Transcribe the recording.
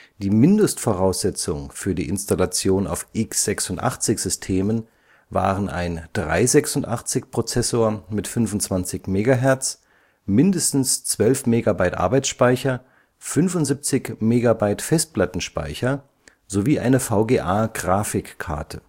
Die Mindestvoraussetzung für die Installation auf x86-Systemen waren ein 386-Prozessor mit 25 MHz, mindestens 12 MB Arbeitsspeicher, 75 MB Festplattenspeicher sowie eine VGA-Grafikkarte